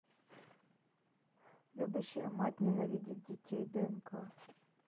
любящая мать ненавидит детей днк